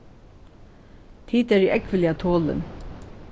tit eru ógvuliga tolin